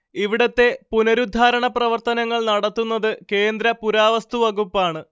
ഇവിടത്തെ പുനരുദ്ധാരണ പ്രവർത്തനങ്ങൾ നടത്തുന്നത് കേന്ദ്ര പുരാവസ്തുവകുപ്പാണ്